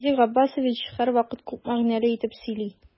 Фәйзи Габбасович һәрвакыт күп мәгънәле итеп сөйли.